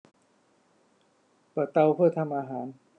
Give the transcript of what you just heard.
เปิดเตาเพื่อทำอาหาร